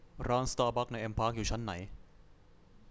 ร้านสตาร์บัคในแอมปาร์คอยู่ชั้นไหน